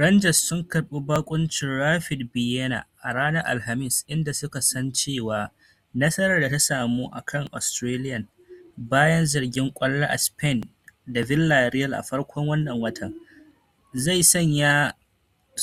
Rangers sun karbi bakuncin Rapid Vienna a ranar Alhamis, inda suka san cewa nasarar da ta samu a kan Austrians, bayan zira kwallo a Spain da Villarreal a farkon wannan watan, zai sanya